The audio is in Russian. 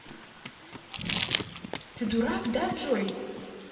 ты дурак да джой